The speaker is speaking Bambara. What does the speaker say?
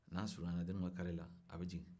n'a surunyana deni ka kare la a bɛ jigin